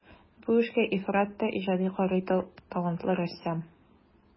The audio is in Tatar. Бу эшкә ифрат та иҗади карый талантлы рәссам.